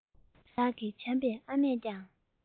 བདག གི བྱམས པའི ཨ མས ཀྱང